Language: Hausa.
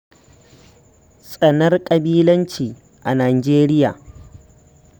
Tsanar ƙabilanci a Nijeriya